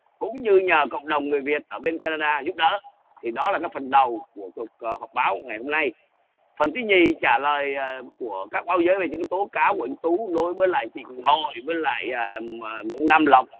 cũng như nhờ cộng đồng người việt ở bên ca na đa giúp đỡ thì đó là cái phần đầu của cuộc họp báo ngày hôm nay phần thứ nhì trả lời của các báo giới về những tố cáo của anh tú đối với lại chính hội với lại ờ nam lộc